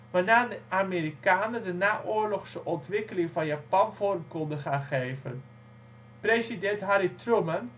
waarna de Amerikanen de naoorlogse ontwikkeling van Japan vorm konden gaan geven. President Harry Truman